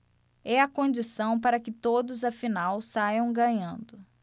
é a condição para que todos afinal saiam ganhando